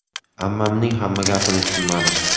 ammamning hamma gapini tushunmadim